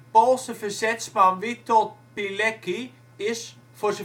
Poolse verzetsman Witold Pilecki is, voor